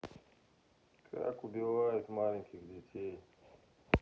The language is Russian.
как убивают маленьких детей